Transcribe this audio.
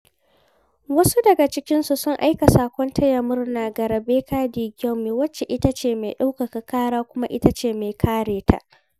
Wasu daga cikinsu sun aika saƙon taya murna ga Rebeca ɗ. Gyumi, wacce ita ce mai ɗaukaka ƙara kuma ita ce mai kare ta.